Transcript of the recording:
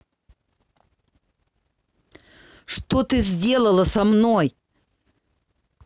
что ты сделала со мной